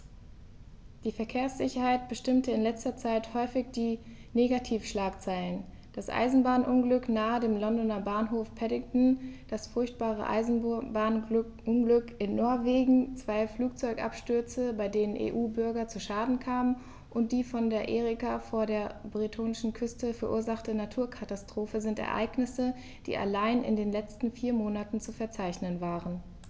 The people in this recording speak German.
Die Verkehrssicherheit bestimmte in letzter Zeit häufig die Negativschlagzeilen: Das Eisenbahnunglück nahe dem Londoner Bahnhof Paddington, das furchtbare Eisenbahnunglück in Norwegen, zwei Flugzeugabstürze, bei denen EU-Bürger zu Schaden kamen, und die von der Erika vor der bretonischen Küste verursachte Naturkatastrophe sind Ereignisse, die allein in den letzten vier Monaten zu verzeichnen waren.